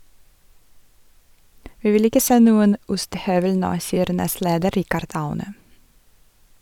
- Vi vil ikke se noen ostehøvel nå, sier nestleder Richard Aune.